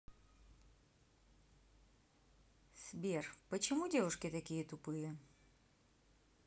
сбер почему девушки такие тупые